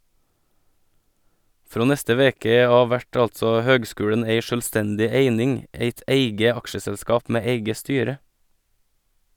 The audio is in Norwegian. Frå neste veke av vert altså høgskulen ei sjølvstendig eining, eit eige aksjeselskap med eige styre.